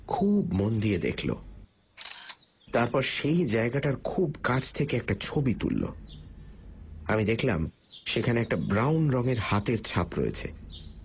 খুব মন দিয়ে দেখল তারপর সেই জায়গাটার খুব কাছ থেকে একটা ছবি তুলল আমি দেখলাম সেখানে একটা ব্রাউন রঙের হাতের ছাপ রয়েছে